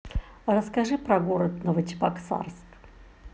расскажи про город новочебоксарск